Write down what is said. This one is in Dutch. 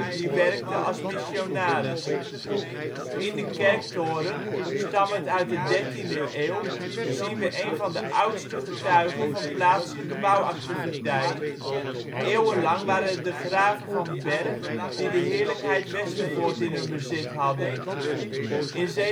hier werkte als missionaris. In de kerktoren, stammend uit de dertiende eeuw, zien we een van de oudste getuigen van plaatselijke bouwactiviteit. Eeuwenlang waren het de graven van Bergh die de ' heerlijkheid ' Westervoort in hun bezit hadden. In 1735